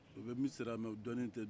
u bɛ misira mɛ u dɔnnen tɛ